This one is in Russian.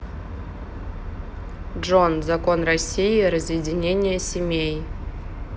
джой закон россии разъединение семей